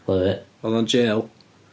Love it... Oedd o'n jêl.